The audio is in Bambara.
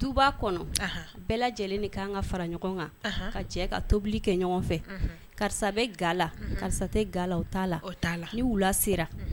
Duba kɔnɔ, ɔhon, bɛɛ lajɛlen de ka kan ka fara ɲɔgɔn kan ka jɛ ka tobili kɛ ɲɔgɔn fɛ, karisa bɛ ga la , karisa tɛ ga la o t'a la, ni wula sera